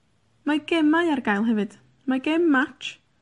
Mae gemau ar gael hefyd. Mae gem Match